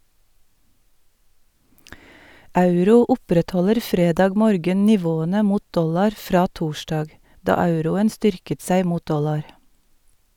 Euro opprettholder fredag morgen nivåene mot dollar fra torsdag, da euroen styrket seg mot dollar.